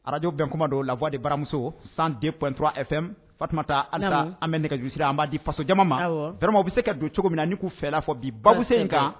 Arajo bɛn kuma don La Voix de baramuso 102.3 FM , Fatoumata, alisa; Namun; An bɛ nɛgɛjuru sira an b'a di paso jama man; Awɔ; Vraiment u bɛ se ka don cogo min na ni k'u fɛla fɔ bi babu sen in kan